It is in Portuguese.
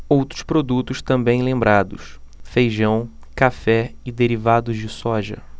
outros produtos também lembrados feijão café e derivados de soja